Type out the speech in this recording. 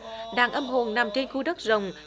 đang âm hồn nằm trên khu đất rộng